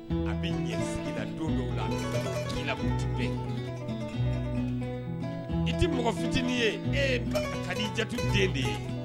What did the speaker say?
A' bɛ ɲɛ sigi la don dɔw ˂INCONPREHENSIBLE˃ i tɛ mɔgɔ fitinin ye e ye Kadijatu den de ye